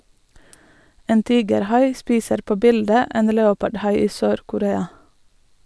En tigerhai spiser på bildet en leopardhai i Sør-Korea.